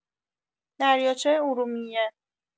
دریاچه ارومیه